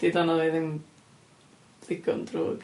'Di dannadd fi ddim ddigon drwg.